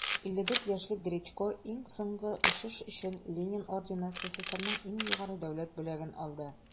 54 яшьлек гречко иң соңгы очыш өчен ленин ордены - сссрның иң югары дәүләт бүләген алды.